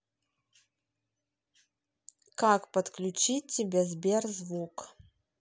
как подключить тебе сбер звук